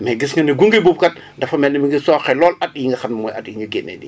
mais gis na ne gunge boobu kat dafa mel ni mu ngi sooxe lool at yi nga xam mooy at yi ñu génnee nii